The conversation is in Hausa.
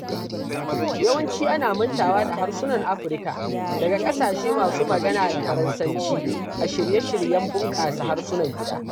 Yawanci ana mantawa da harsunan Afirka daga ƙasashe masu magana da Faransanci a shirye-shiryen bunƙasa harsunan gida.